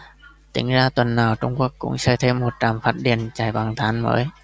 tính ra tuần nào trung quốc cũng xây thêm một trạm phát điện chạy bằng than mới